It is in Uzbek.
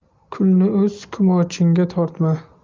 kulni o'z kumochingga tortma